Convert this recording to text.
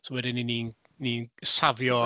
So wedyn 'y ni'n ni'n safio...